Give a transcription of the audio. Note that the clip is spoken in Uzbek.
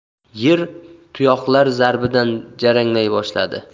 yer tuyoqlar zarbidan jaranglay boshladi